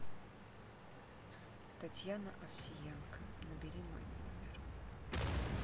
татьяна овсиенко набери мой номер